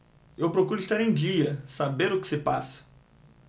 eu procuro estar em dia saber o que se passa